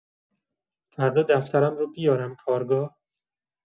فردا دفترم رو بیارم کارگاه؟